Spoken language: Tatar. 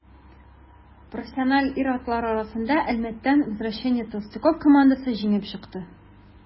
Профессионал ир-атлар арасында Әлмәттән «Возвращение толстяков» командасы җиңеп чыкты.